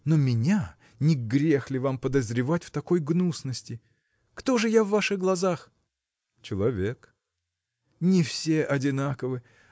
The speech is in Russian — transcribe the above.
но меня – не грех ли вам подозревать в такой гнусности? Кто же я в ваших глазах? – Человек. – Не все одинаковы.